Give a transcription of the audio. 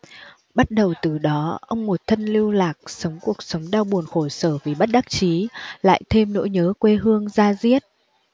bắt đầu từ đó ông một thân lưu lạc sống cuộc sống đau buồn khổ sở vì bất đắc chí lại thêm nỗi nhớ quê hương da diết